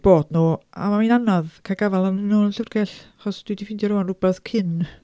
Bod nhw a mae'n anodd cael gafael arnyn nhw yn y llyfrgell achos dwi 'di ffeindio rŵan rwbath cyn